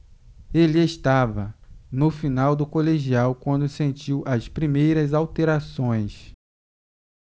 ele estava no final do colegial quando sentiu as primeiras alterações